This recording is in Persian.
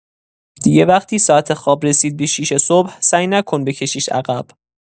دیگه وقتی ساعت خواب رسید به ۶صبح، سعی نکن بکشیش عقب.